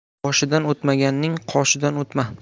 boshidan o'tmaganning qoshidan o'tma